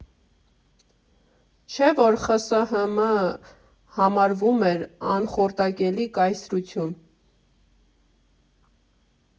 Չէ՞ որ ԽՍՀՄ֊ը համարվում էր անխորտակելի կայսրություն։